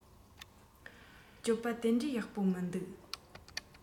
སྤྱོད པ དེ འདྲའི ཡག པོ མི འདུག